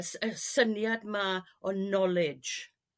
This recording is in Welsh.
y s- y syniad 'ma o knowledge